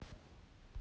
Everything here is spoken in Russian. голос орт